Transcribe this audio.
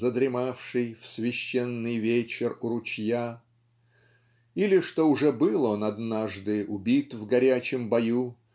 задремавший в священный вечер у ручья" или что уже был он однажды убит в горячем бою